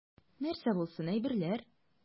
Нәрсә булсын, әйберләр.